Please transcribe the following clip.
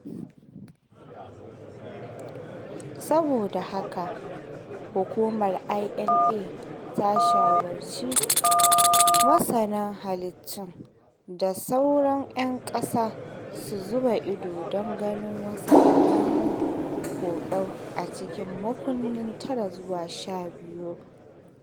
Saboda haka hukumar IMA ta shawarci masana halittu da sauran 'yan ƙasar su zuba ido don ganin wasu alamun koɗau a cikin makonni 9-12.